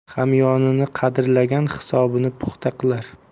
hamyonini qadrlagan hisobini puxta qilar